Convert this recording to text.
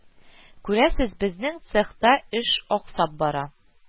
Күрәсез, безнең цехта эш аксап бара